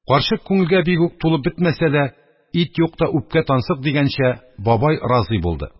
Карчык күңелгә бигүк тулып бетмәсә дә, ит юкта үпкә тансык дигәнчә, бабай разый булды.